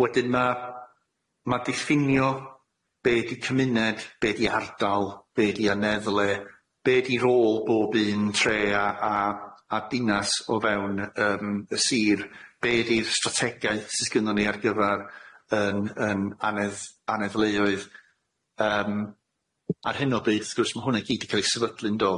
wedyn ma' ma' diffinio be' di cymuned, be' di ardal, be' di aneddle, be' di rôl bob un tre a a a dinas o fewn yym y Sir, be' di'r strategaeth sydd gynnon ni ar gyfar yn yn anedd anedd leoedd yym ar hyn o bryd wrth gwrs ma' hwnna i gyd di ca'l ei sefydlu'n do?